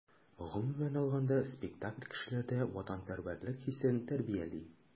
Гомумән алганда, спектакль кешеләрдә ватанпәрвәрлек хисен тәрбияли.